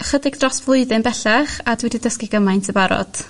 chydig dros flwyddyn bellach a dwi 'di dysgu gymaint yn barod.